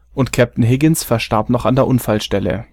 und Captain Higgins verstarb noch an der Unfallstelle